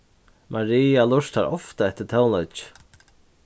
maria lurtar ofta eftir tónleiki